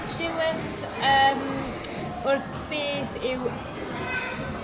yym wrth beth yw